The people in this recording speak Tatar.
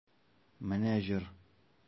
Менә җор!